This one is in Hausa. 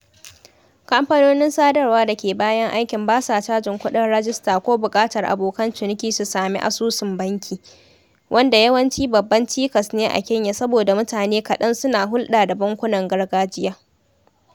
Kamfanonin sadarwa da ke bayan aikin basa cajin kuɗin rajista ko buƙatar abokan ciniki su sami asusun banki, wanda yawanci babban cikas ne a Kenya saboda mutane kaɗan suna hulɗa da bankunan gargajiya.